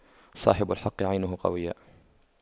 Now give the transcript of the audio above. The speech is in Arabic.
صاحب الحق عينه قوية